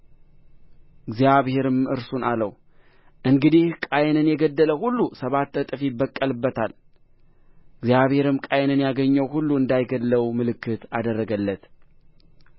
እግዚአብሔርም እርሱን አለው እንግዲህ ቃየንን የገደለ ሁሉ ሰባት እጥፍ ይበቀልበታል እግዚአብሔርም ቃየንን ያገኘው ሁሉ እንዳይገድለው ምልክት አደረገለት